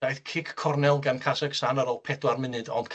Daeth cic cornel gan Kasakstan ar ôl pedwar munud, ond